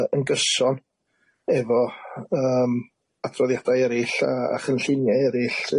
Yy yn gyson efo yym adroddiadau erill a a chynllunia erill